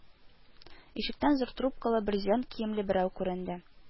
Ишектән зур трубкалы, брезент киемле берәү күренде: